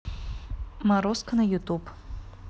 морозко на ютуб